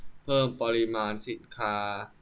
เพิ่มปริมาณสินค้า